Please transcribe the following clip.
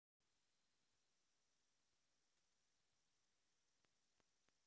райоби отзывы